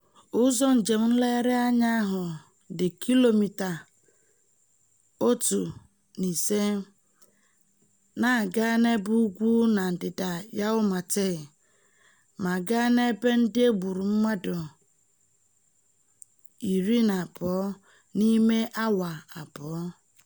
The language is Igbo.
Ụzọ njem nlegharị anya ahụ dị kilomịta1.5 na-aga n'ebe ugwu na ndịda Yau Ma Tei ma gaa n'ebe ndị e gburu mmadụ 12 n'ime awa abụọ.